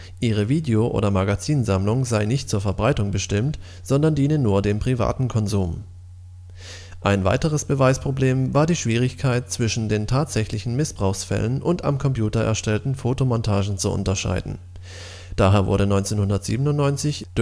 ihre Video - oder Magazinsammlung sei nicht zur Verbreitung bestimmt, sondern diene nur dem privaten Konsum. Ein weiteres Beweisproblem war die Schwierigkeit, zwischen tatsächlichen Missbrauchsfällen und am Computer erstellten Fotomontagen zu unterscheiden. Daher wurde 1997